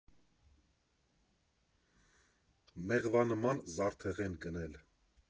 Մեղվանման զարդեղեն գնել։